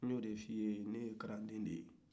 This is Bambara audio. ne ye o de fɔ iye ne ye kalanden de ye